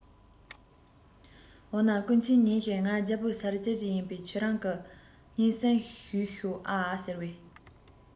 འོ ན སྐུ མཁྱེན ཉིན ཞིག ང རྒྱལ པོའོ སར བཅར གྱི ཡིན པས ཁྱེད རང གིས སྙན གསེང ཞུས ཤོག ཨྰ ཟེར བས